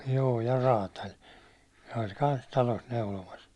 joo ja räätäli se oli kanssa talossa neulomassa